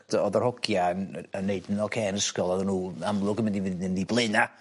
T- o'dd yr ogia'n yy yn neud yn ocê yn ysgol oddan n'w amlwg yn mynd i fynd yn 'u blaena'